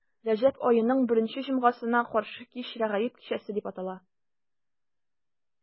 Рәҗәб аеның беренче җомгасына каршы кич Рәгаиб кичәсе дип атала.